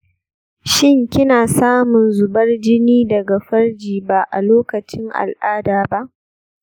shin kina samun zubar jini daga farji ba a lokacin al’ada ba?